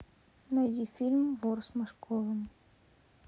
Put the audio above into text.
найди фильм вор с машковым